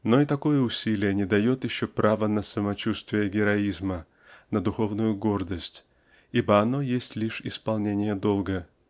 но и такое усилие не дает еще права на самочувствие героизма на духовную гордость ибо оно есть лишь исполнение долга